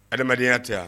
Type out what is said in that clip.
Adamadenyaya tɛ